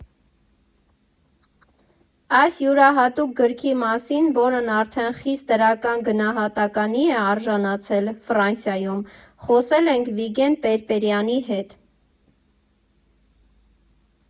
Այս յուրահատուկ գրքի մասին, որն արդեն խիստ դրական գնահատականի է արժանացել Ֆրանսիայում, խոսել ենք Վիգէն Պէրպէրեանի հետ։